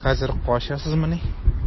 Ә хәзер качасызмыни?